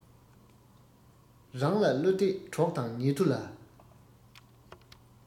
རང ལ བློ གཏད གྲོགས དང ཉེ དུ ལ